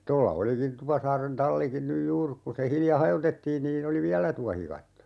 tuolla olikin Tupasaaren tallikin nyt juuri kun se hiljan hajotettiin niin oli vielä tuohikatto